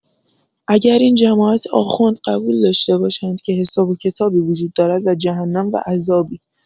اگر این جماعت آخوند قبول داشته باشند که حساب و کتابی وجود دارد و جهنم و عذابی.